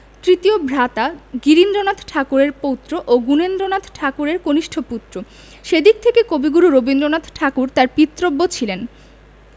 তৃতীয় ভ্রাতা গিরীন্দ্রনাথ ঠাকুরের পৌত্র ও গুণেন্দ্রনাথ ঠাকুরের কনিষ্ঠ পুত্র সে দিক থেকে কবিগুরু রবীন্দ্রনাথ ঠাকুর তার পিতৃব্য ছিলেন